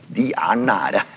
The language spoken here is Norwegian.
de er nære.